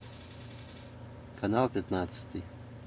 канал пятнадцатый